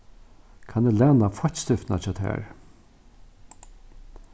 kann eg læna feittstiftina hjá tær